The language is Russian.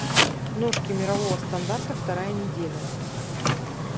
ножки мирового стандарта вторая неделя